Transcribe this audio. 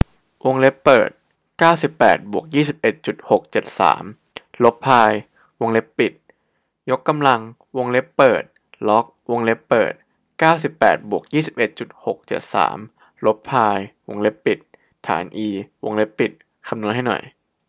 วงเล็บเปิดเก้าสิบแปดบวกยี่สิบเอ็ดจุดหกเจ็ดสามลบพายวงเล็บปิดยกกำลังวงเล็บเปิดล็อกวงเล็บเปิดเก้าสิบแปดบวกยี่สิบเอ็ดจุดหกเจ็ดสามลบพายวงเล็บปิดฐานอีวงเล็บปิดคำนวณให้หน่อย